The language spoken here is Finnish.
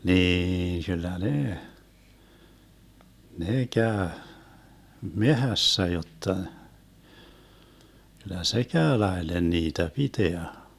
niin kyllä ne ne käy metsässä jotta kyllä se käy laille niitä pitää